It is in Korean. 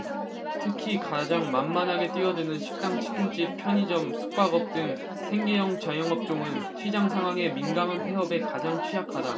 특히 가장 만만하게 뛰어드는 식당 치킨집 편의점 숙박업 등 생계형 자영업종은 시장상황에 민감해 폐업에 가장 취약하다